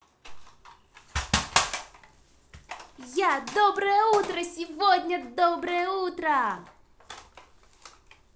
я доброе утро сегодня доброе утро